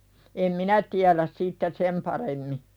en minä tiedä sitten sen paremmin